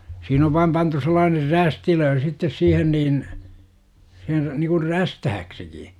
siinä on vain pantu sellainen rästilöin sitten siihen niin se niin kuin räystääksikin